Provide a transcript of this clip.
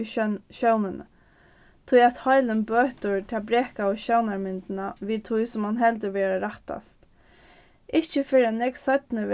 við sjónini tí at heilin bøtir ta brekaðu sjónarmyndina við tí sum mann heldur vera rættast ikki fyrr enn nógv seinni